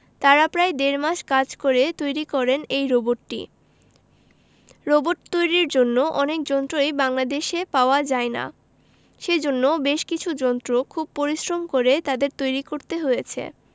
তারা প্রায় দেড় মাস কাজ করে তৈরি করেন এই রোবটটি রোবট তৈরির জন্য অনেক যন্ত্রই বাংলাদেশে পাওয়া যায় না সেজন্য বেশ কিছু যন্ত্র খুব পরিশ্রম করে তাদের তৈরি করতে হয়েছে